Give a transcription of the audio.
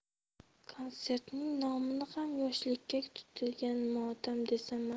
konsertning nomini ham yoshlikka tutilgan motam desam a